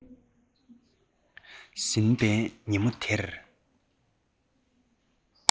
ཟིན པའི ཉིན མོ དེར